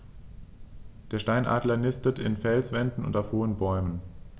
Der Steinadler nistet in Felswänden und auf hohen Bäumen.